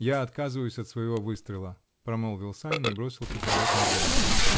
-- Я отказываюсь от своего выстрела, -- промолвил Санин и бросил пистолет на землю.